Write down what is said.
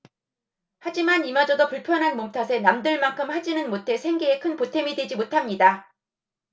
하지만 이마저도 불편한 몸 탓에 남들만큼 하지는못해 생계에 큰 보탬이 되지 못합니다